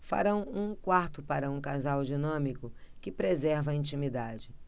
farão um quarto para um casal dinâmico que preserva a intimidade